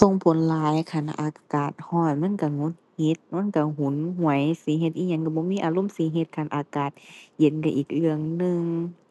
ส่งผลหลาย คันอากาศร้อนมันร้อนหงุดหงิด มันร้อนหนหวย สิเฮ็ดอิหยังร้อนบ่มีอารมณ์สิเฮ็ด คันอากาศเย็นร้อนอีกเรื่องหนึ่ง